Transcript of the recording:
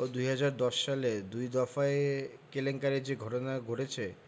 ও ২০১০ সালের দুই দফায় কেলেঙ্কারির যে ঘটনা ঘটেছে